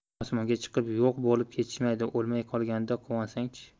osmonga chiqib yo'q bo'lib ketishmaydi o'lmay qolganiga quvonsang chi